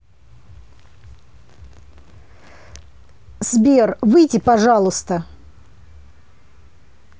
сбер выйди пожалуйста